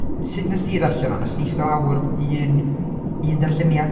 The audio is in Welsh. Sut wnest ti ddarllen o? Wnest ti eistedd lawr un... un darlleniad?